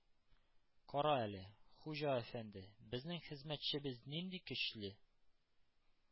— кара әле, хуҗа әфәнде, безнең хезмәтчебез нинди көчле.